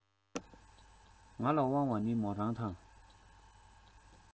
ང ལ དབང བ ནི མོ རང དང